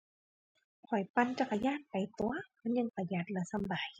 ข้อยปั่นจักรยานไปตั่ว มันจั่งประหยัดแล้วสำบาย